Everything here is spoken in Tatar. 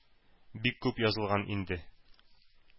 Бик күп язылган инде.